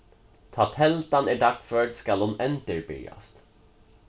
tá teldan er dagførd skal hon endurbyrjast